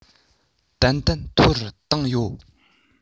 ཏན ཏན མཐོ རུ བཏང ཡོད